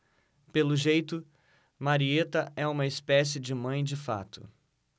pelo jeito marieta é uma espécie de mãe de fato